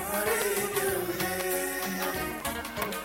Wagɛnin